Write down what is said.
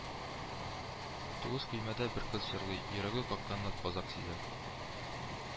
Тугыз көймәдә бер кыз җырлый, йөрәге какканны казак сизә